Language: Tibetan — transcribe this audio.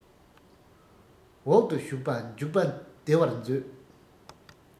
འོག ཏུ ཞུགས ལ འཇུག པ བདེ བར མཛོད